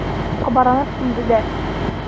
Кабарынып килде дә.